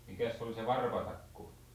mikäs se oli se varpatakku